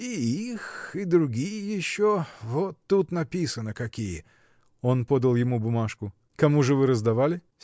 — И их, и другие еще — вот тут написано какие. Он подал ему бумажку. — Кому же вы раздавали?